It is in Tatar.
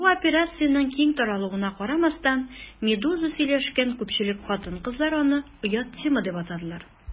Бу операциянең киң таралуына карамастан, «Медуза» сөйләшкән күпчелек хатын-кызлар аны «оят тема» дип атадылар.